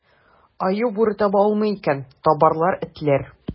Аю, бүре таба алмый икән, табарлар этләр.